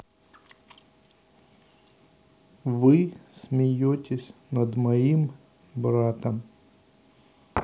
вы смеетесь над моим братом